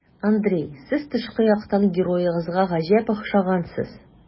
Андрей, сез тышкы яктан героегызга гаҗәп охшагансыз.